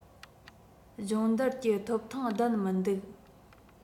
སྦྱོང བརྡར གྱི ཐོབ ཐང ལྡན མི འདུག